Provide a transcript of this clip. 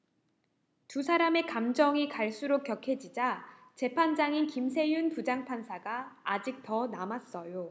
두 사람의 감정이 갈수록 격해지자 재판장인 김세윤 부장판사가 아직 더 남았어요